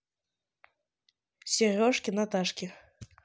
сережки наташки